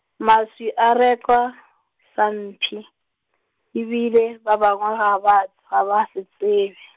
maswi a rekwa sampshi, e bile ba bangwe ga ba, ga ba se tsebe.